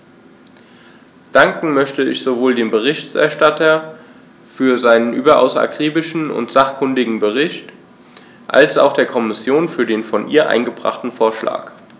Danken möchte ich sowohl dem Berichterstatter für seinen überaus akribischen und sachkundigen Bericht als auch der Kommission für den von ihr eingebrachten Vorschlag.